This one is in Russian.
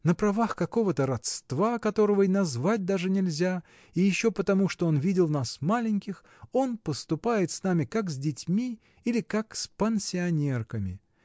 На правах какого-то родства, которого и назвать даже нельзя, и еще потому, что он видел нас маленьких, он поступает с нами как с детьми или как с пансионерками.